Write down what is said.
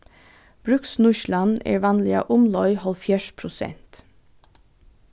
brúksnýtslan er vanliga umleið hálvfjerðs prosent